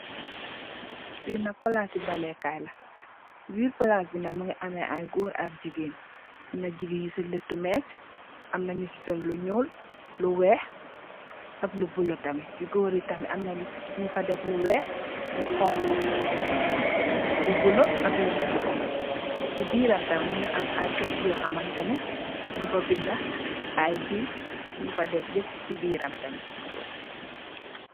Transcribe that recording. Fii nak plassi baleh kai la, cii birr plass bii nak mungy ameh aiiy gorre ak gigain, amna gigain yu cii lehtu meeche, amna nju cii sol lu njull, lu wekh ak lu bleu tamit, cii gorre yii tamit amna nju fa deff lu wekh, lu honhu, lu bleu ak lu nehteh tamit, cii biram tamit mungy am aiiy keit yor hamanteh neh njung fa binda aiiy diw yungh fa deff yehpp cii biram tamit.